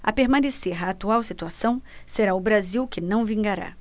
a permanecer a atual situação será o brasil que não vingará